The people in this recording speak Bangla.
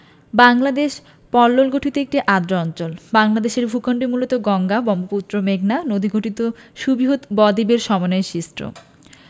বাংলদেশ পলল গঠিত একটি আর্দ্র অঞ্চল বাংলাদেশের ভূখন্ড মূলত গঙ্গা ব্রহ্মপুত্র মেঘনা নদীগঠিত সুবৃহৎ বদ্বীপের সমন্বয়ে সৃষ্ট